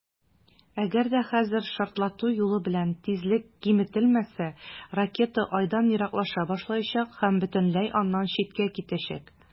Әгәр дә хәзер шартлату юлы белән тизлек киметелмәсә, ракета Айдан ераклаша башлаячак һәм бөтенләй аннан читкә китәчәк.